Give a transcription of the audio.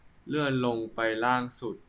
เลื่อนลงไปล่างสุด